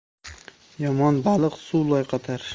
yomon baliq suv loyqatar